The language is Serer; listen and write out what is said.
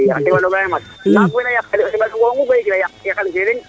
xa teɓanonga xe mat maak we na yaqa o ndeɓanonga xu gayik na yaqan ke leŋ